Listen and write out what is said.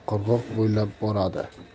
qirg'oq bo'ylab boradi